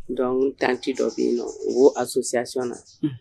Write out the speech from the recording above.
Dɔnkuc tan tɛ dɔ bɛ yen nɔn u ko a sososi na